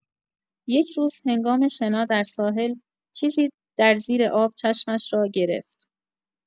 یک روز، هنگام شنا در ساحل، چیزی در زیر آب چشمش را گرفت.